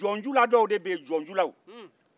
jɔnjula dɔw de bɛ yen jɔnjulaw